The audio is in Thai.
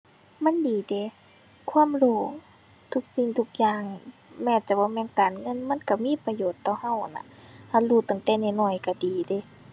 มันดีเดะ ความรู้ ทุกสิ่งทุกอย่าง แม้จะบ่แม่นการเงินมันก็มีประโยชน์ต่อก็นั้นล่ะ คันรู้ตั้งแต่น้อยน้อยก็ดีเดะ